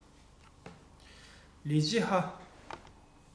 ལིང ཅི ཧྭ